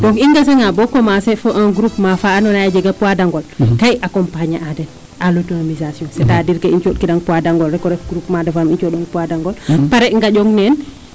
Donc i nqesanga bo commencer fo un groupement fa andoona yee a jega poids d' angole ke i acoompagner a den a l' automisation .C' est a dire ka i cooxkirang poids d' angole rek o ref groupement de Famille o cooxong poids d' angole apres gaƴong neen.